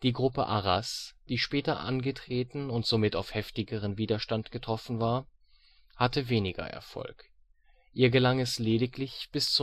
Gruppe " Arras ", die später angetreten und somit auf heftigeren Widerstand getroffen war, hatte weniger Erfolg: ihr gelang es lediglich, bis